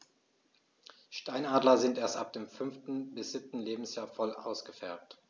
Steinadler sind erst ab dem 5. bis 7. Lebensjahr voll ausgefärbt.